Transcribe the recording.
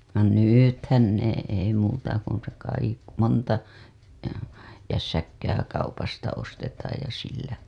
no nythän ne ei muuta kuin se - monta jässäkkää kaupasta ostetaan ja sillä